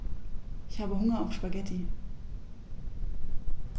Ich habe Hunger auf Spaghetti.